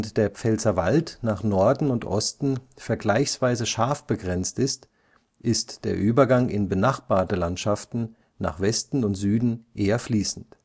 der Pfälzerwald nach Norden und Osten vergleichsweise scharf begrenzt ist, ist der Übergang in benachbarte Landschaften nach Westen und Süden eher fließend